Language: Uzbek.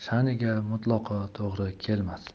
shaniga mutlaqo to'g'ri kelmas